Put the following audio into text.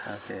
waaw kay